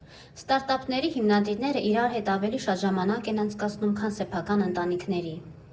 Ստարտափների հիմնադիրները իրար հետ ավելի շատ ժամանակ են անցկացնում, քան սեփական ընտանիքների։